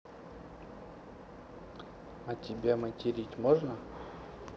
а тебя материть можно